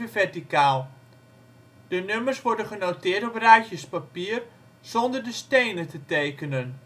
verticaal. De nummers worden genoteerd op ruitjespapier, zonder de stenen te tekenen